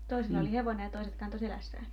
toisilla oli hevonen ja toiset kantoi selässään